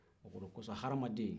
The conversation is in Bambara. o de kɔsɔ hadamaden